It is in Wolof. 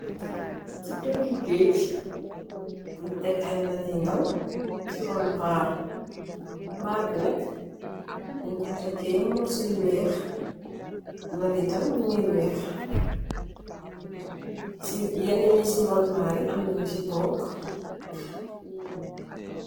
Ci pegg gaaj buñ tek ay lal yu ndaw ci ron mbarr, mbarr bi nak daj ko takkeh morso yu wèèx. Lal yi tam ñi ñgi wèèx, yenn yi ci ron mbarr yi am na ñi ci tóóg.